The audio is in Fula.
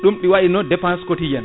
ɗum ɗi wayno dépense quotidienne